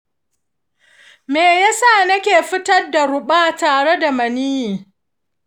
me yasa nake fitar da ruɓa tare da maniyyi?